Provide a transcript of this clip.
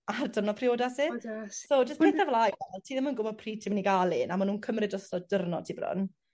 ar di'rnod priodas 'i. Prodas*. So jys ti ddim yn gwbod pryd ti myn' i ga'l un a ma' nw'n cymryd drosto dy'rnod ti bron.